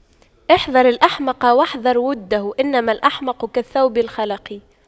احذر الأحمق واحذر وُدَّهُ إنما الأحمق كالثوب الْخَلَق